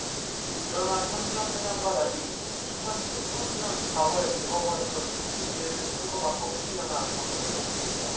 그러나 현 전 회장과 달리 이천 십 삼 년 사 월 대법원에서 집행유예를 선고 받고 풀려나 경영에 복귀했다